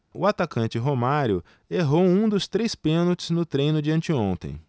o atacante romário errou um dos três pênaltis no treino de anteontem